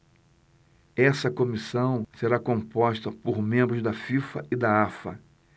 essa comissão será composta por membros da fifa e da afa